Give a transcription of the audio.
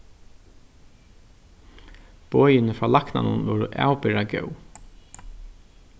boðini frá læknanum vóru avbera góð